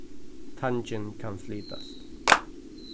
tangin kann flytast